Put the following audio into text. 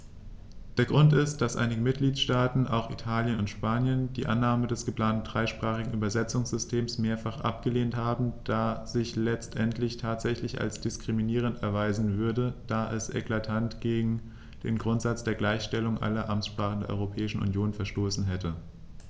Der Grund ist, dass einige Mitgliedstaaten - auch Italien und Spanien - die Annahme des geplanten dreisprachigen Übersetzungssystems mehrfach abgelehnt haben, das sich letztendlich tatsächlich als diskriminierend erweisen würde, da es eklatant gegen den Grundsatz der Gleichstellung aller Amtssprachen der Europäischen Union verstoßen hätte.